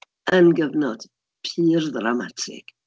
Yn gyfnod pur ddramatig.